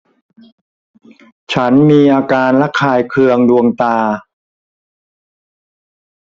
ฉันมีอาการระคายเคืองดวงตา